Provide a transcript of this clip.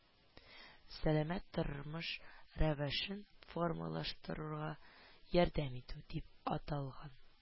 Сәламәт тормыш рәвешен формалаштыруга ярдәм итү” дип аталган